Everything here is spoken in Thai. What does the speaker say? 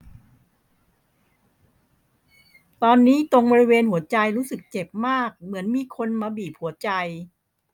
ตอนนี้ตรงบริเวณหัวใจรู้สึกเจ็บมากเหมือนมีคนมาบีบหัวใจ